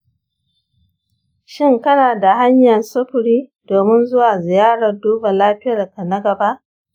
shin kana da hanyar sufuri domin zuwa ziyarar duba lafiyarka na gaba?